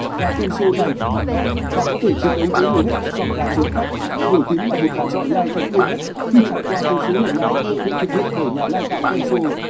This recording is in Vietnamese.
gà kelso này cũng mạnh mẽ và có thể chiến đầu với hầu hết các dòng gà trống khác nổi tiếng là một gà chọi lai thành công nhất khi trải qua vô số lần lai được thực hiện bởi nhà lai tạo kelso